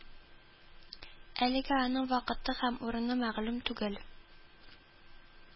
Әлегә аның вакыты һәм урыны мәгълүм түгел